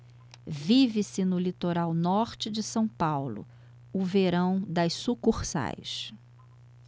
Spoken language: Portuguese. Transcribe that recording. vive-se no litoral norte de são paulo o verão das sucursais